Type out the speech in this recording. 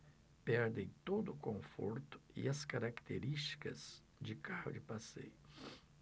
perdem todo o conforto e as características de carro de passeio